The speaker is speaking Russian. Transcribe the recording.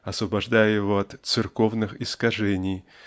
освобождая Его от "церковных искажений"